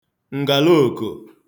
ǹgàloòkò